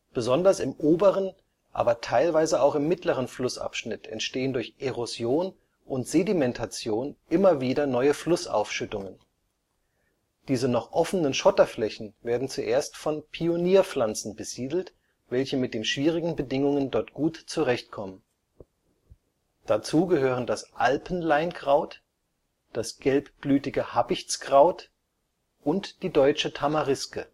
Besonders im oberen, aber teilweise auch im mittleren Flussabschnitt entstehen durch Erosion und Sedimentation immer wieder neue Flussaufschüttungen. Diese noch offenen Schotterflächen werden zuerst von Pionierpflanzen besiedelt, welche mit den schwierigen Bedingungen dort gut zurechtkommen; dazu gehören das Alpen-Leinkraut, das gelbblütige Habichtskraut und die Deutsche Tamariske